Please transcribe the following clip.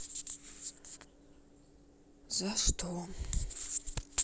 за что